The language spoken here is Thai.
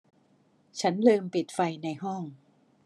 ฉันลืมปิดไฟในห้อง